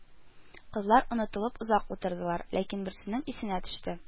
Кызлар онытылып озак утырдылар, ләкин берсенең исенә төште: